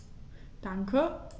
Danke.